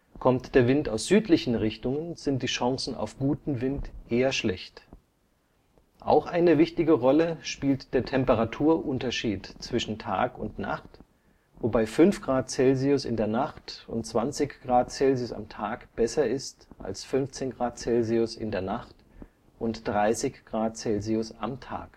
Kommt der Wind aus südlichen Richtungen, sind die Chancen auf guten Wind eher schlecht. Auch eine wichtige Rolle spielt der Temperaturunterschied zwischen Tag und Nacht, wobei 5 °C in der Nacht und 20 °C am Tag besser ist als 15 °C in der Nacht und 30 °C am Tag